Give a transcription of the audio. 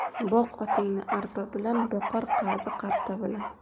boq otingni arpa bilan boqar qazi qarta bilan